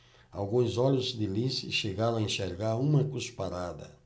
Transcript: alguns olhos de lince chegaram a enxergar uma cusparada